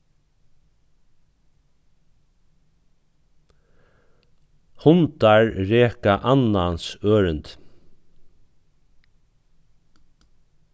hundar reka annans ørindi